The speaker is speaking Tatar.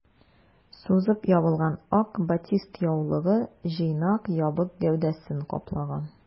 Сузып ябылган ак батист яулыгы җыйнак ябык гәүдәсен каплаган.